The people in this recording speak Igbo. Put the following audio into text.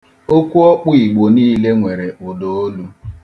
Okwu ọkpụ Igbo niile nwere ụdaolu.